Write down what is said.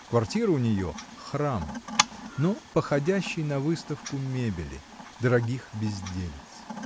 Квартира у нее — храм, но походящий на выставку мебели, дорогих безделиц.